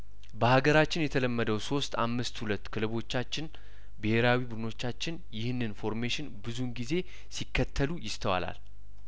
በሀገራችን የተለመደው ሶስት አምስት ሁለት ክለቦቻችን ብሄራዊ ቡድኖቻችን ይህንን ፎርሜሽን ብዙውን ጊዜ ሲከተሉ ይስተዋላል